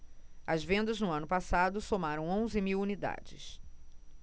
as vendas no ano passado somaram onze mil unidades